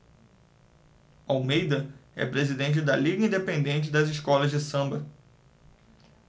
almeida é presidente da liga independente das escolas de samba